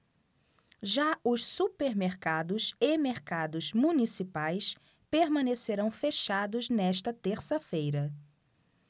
já os supermercados e mercados municipais permanecerão fechados nesta terça-feira